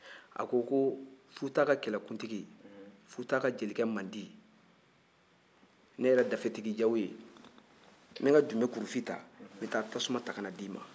a ko ko futa ka kɛlɛkuntigi futa ka jelikɛ mandi ne yɛrɛ dafetigi jawoyi n bɛ n ka jube kurufin ta n bɛ taa tasuma ta ka d'i ma